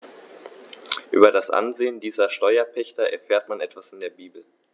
Über das Ansehen dieser Steuerpächter erfährt man etwa in der Bibel.